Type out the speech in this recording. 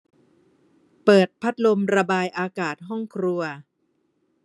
เปิดพัดลมระบายอากาศห้องครัว